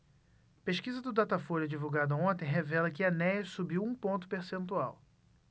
pesquisa do datafolha divulgada ontem revela que enéas subiu um ponto percentual